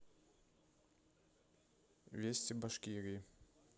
вести башкирии